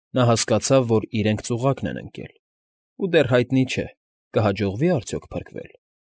Նա հասկացավ, որ իրենք ծուղակն են ընկել ու դեռ հայտնի չէ՝ կհաջողվի՞ արդյոք փրկվել։